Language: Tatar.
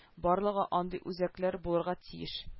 Барлыгы андый үзәкләр - булырга тиеш